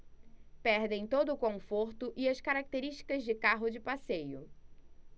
perdem todo o conforto e as características de carro de passeio